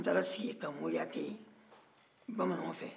u taara sigi yen ka moriya kɛ ye bamanan fɛ